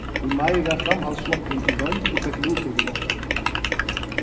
í mai var framhaldsflokkurin til roynd og fekk luttøkuváttan